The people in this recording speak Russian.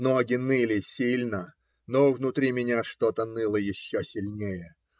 Ноги ныли сильно, но внутри меня что-то ныло еще сильнее.